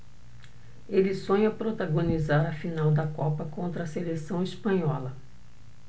ele sonha protagonizar a final da copa contra a seleção espanhola